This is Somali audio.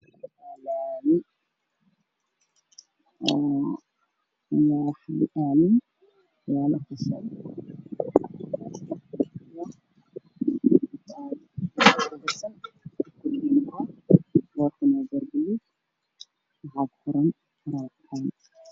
Meeshaan waa laami ga midabkiisii yahay qaxooy derby ayaa ka dambeeyay midafkiisii hayey byo ah barre ayaa ka taagan